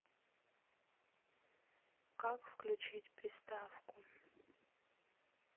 как включить приставку